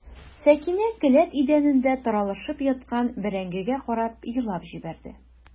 Сәкинә келәт идәнендә таралышып яткан бәрәңгегә карап елап җибәрде.